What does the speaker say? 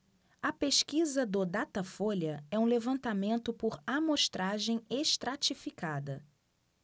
a pesquisa do datafolha é um levantamento por amostragem estratificada